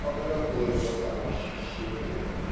Поблекло его самоощущение.